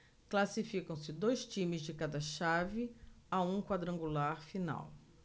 classificam-se dois times de cada chave a um quadrangular final